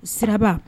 Siraba